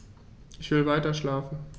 Ich will weiterschlafen.